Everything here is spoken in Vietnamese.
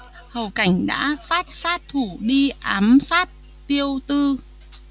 hầu cảnh đã phát sát thủ đi ám sát tiêu tư